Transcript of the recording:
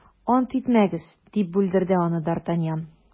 - ант итмәгез, - дип бүлдерде аны д’артаньян.